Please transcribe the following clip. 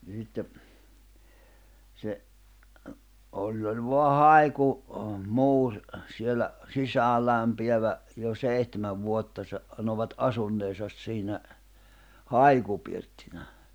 niin sitten se oli oli vain - haikumuuri siellä sisäänlämpiävä jo seitsemän vuotta se sanovat asuneensa siinä haikupirttinä